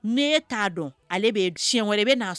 N'e t'a dɔn ale b'e d siɲɛwɛrɛ i ben'a s